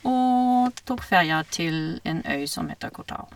Og tok ferja til en øy som heter Ko Tao.